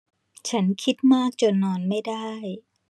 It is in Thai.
ฉันคิดมากจนนอนไม่ได้